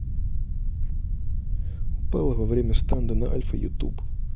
упала во время станда на альфа youtube